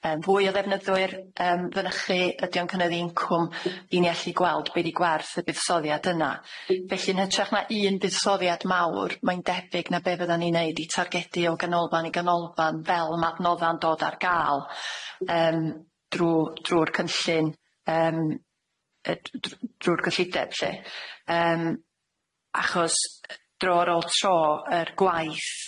yym fwy o ddefnyddwyr yym fynychu ydi o'n cynyddu incwm i ni allu gweld be' 'di gwerth y buddsoddiad yna felly yn hytrach na un buddsoddiad mawr mae'n debyg na be' fyddan ni neud 'di targedi o ganolfan i ganolfan fel ma' adnodda'n dod ar ga'l yym drw drw'r cynllun yym yy drw drw'r gyllideb lly yym achos yy dro ar ôl tro yr gwaith